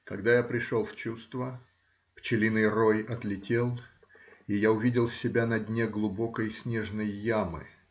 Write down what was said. Когда я пришел в чувства, пчелиный рой отлетел, и я увидел себя на дне глубокой снежной ямы